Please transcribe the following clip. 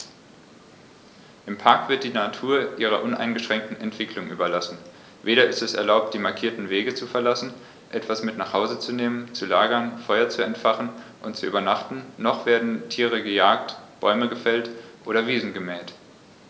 Im Park wird die Natur ihrer uneingeschränkten Entwicklung überlassen; weder ist es erlaubt, die markierten Wege zu verlassen, etwas mit nach Hause zu nehmen, zu lagern, Feuer zu entfachen und zu übernachten, noch werden Tiere gejagt, Bäume gefällt oder Wiesen gemäht.